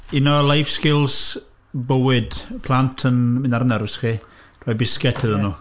Un o life skills bywyd. Plant yn mynd ar nerves chi, rhoi bisged iddyn nhw... ie.